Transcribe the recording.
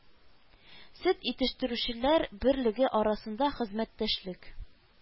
Сөт итештерүчеләр берлеге арасында хезмәттәшлек